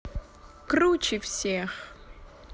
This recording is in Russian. круче всех